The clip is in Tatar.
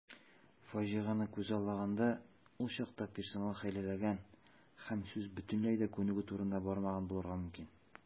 Фаҗигане күзаллаганда, ул чакта персонал хәйләләгән һәм сүз бөтенләй дә күнегү турында бармаган булырга мөмкин.